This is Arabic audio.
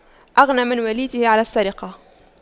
أغن من وليته عن السرقة